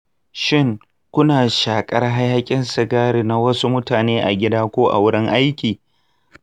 shin kuna shakar hayakin sigari na wasu mutane a gida ko a wurin aiki?